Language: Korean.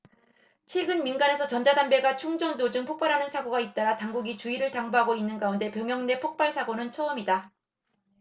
최근 민간에서 전자담배가 충전 도중 폭발하는 사고가 잇따라 당국이 주의를 당부하고 있는 가운데 병영 내 폭발 사고는 처음이다